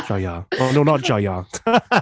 Joio. Wel, no, not joio.